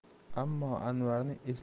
ammo anvarni eslashi